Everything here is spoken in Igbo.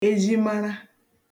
ezhimara